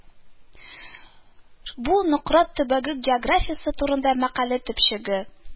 Бу Нократ төбәге географиясе турында мәкалә төпчеге